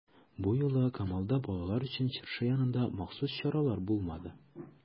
Бу юлы Камалда балалар өчен чыршы янында махсус чаралар булмады.